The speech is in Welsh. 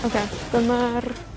Oce. Dyma'r